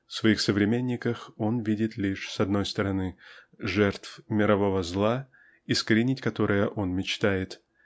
В своих современниках он видит лишь с одной стороны жертвы мирового зла искоренить которое он мечтает